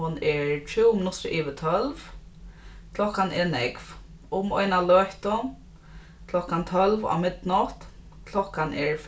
hon er tjúgu minuttir yvir tólv klokkan er nógv um eina løtu klokkan tólv á midnátt klokkan er